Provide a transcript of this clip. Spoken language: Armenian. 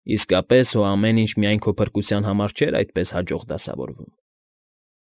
Իսկապես, հո ամեն ինչ միայն քո փրկության համար չէր այդես հաջող դասավորվում։